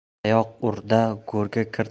tayoq ur da go'rga kir